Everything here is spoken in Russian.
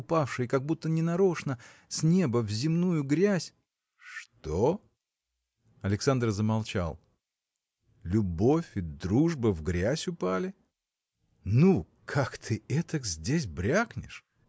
упавшие как будто ненарочно с неба в земную грязь. – Что? Александр замолчал. – Любовь и дружба в грязь упали! Ну, как ты этак здесь брякнешь?